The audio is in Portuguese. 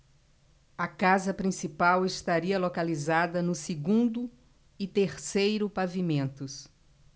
a casa principal estaria localizada no segundo e terceiro pavimentos